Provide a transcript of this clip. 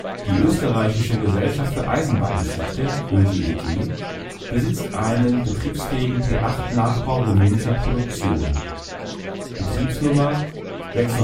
Die Österreichische Gesellschaft für Eisenbahngeschichte (ÖGEG) besitzt einen betriebsfähigen P8-Nachbau rumänischer Produktion. Betriebsnummer 638.1301